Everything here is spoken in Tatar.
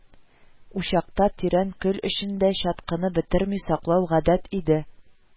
Учакта тирән көл эчендә чаткыны бетерми саклау гадәт иде